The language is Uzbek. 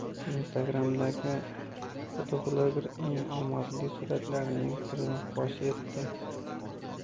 instagram'dagi fotobloger eng omadli suratlarining sirini fosh etdi